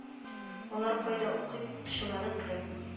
Алар кайда укый укытучылары кем